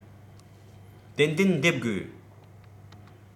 ཏན ཏན འདེབས དགོས